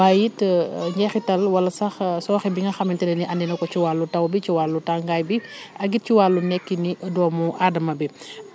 waaye it jeexitalu wala sax sooxe bi nga xamante ne nii andi na ko ci wàllu taw bi ci wàllu tàngaay bi ak it ci wàllu nekkini doomu aadama bi